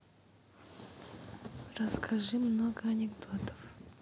расскажи много анекдотов